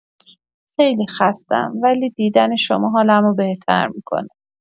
خیلی خسته‌ام، ولی دیدن شما حالم رو بهتر می‌کنه.